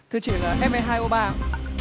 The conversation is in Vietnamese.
thưa chị là ép e hai ô ba